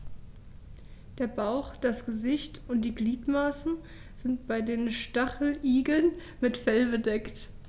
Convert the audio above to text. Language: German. Der Bauch, das Gesicht und die Gliedmaßen sind bei den Stacheligeln mit Fell bedeckt.